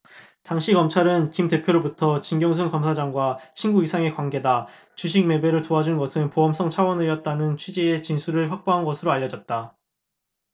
당시 검찰은 김 대표로부터 진경준 검사장과 친구 이상의 관계다 주식 매매를 도와준 것은 보험성 차원이었다는 취지의 진술을 확보한 것으로 알려졌다